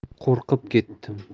qo'rqib ketdim